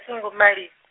ngo mali.